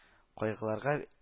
Кайгыларга